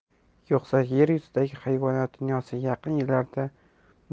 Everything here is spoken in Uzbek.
yo'qsa yer yuzidagi hayvonot dunyosi yaqin